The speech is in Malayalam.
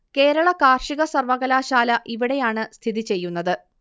കേരള കാർഷിക സര്വ്വകലാശാല ഇവിടെയാണ് സ്ഥിതിചെയ്യുന്നത്